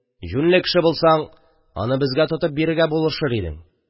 – юньле кеше булсаң, аны безгә тотып бирергә булышыр идең!..